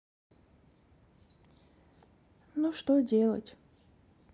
ну что делать